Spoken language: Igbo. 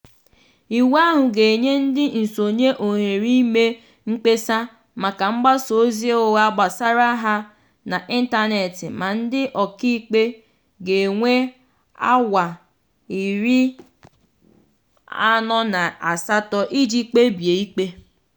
Iwu ahụ ga-enye ndị nsonye ohere ime mkpesa maka mgbasa ozi ụgha gbasara ha n'ịntaneetị ma ndị ọkàikpe ga-enwe awa 48 iji kpebie ikpe.